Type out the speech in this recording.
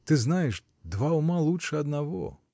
Ты знаешь, два ума лучше одного.